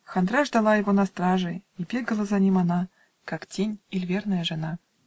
Хандра ждала его на страже, И бегала за ним она, Как тень иль верная жена.